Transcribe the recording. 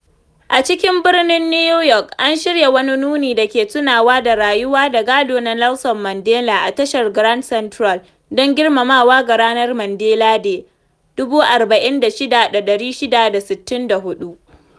A cikin birnin New York, an shirya wani nuni da ke tunawa da rayuwa da gado na Nelson Mandela a tashar Grand Central, don girmamawa ga Ranar Mandela Day 46664.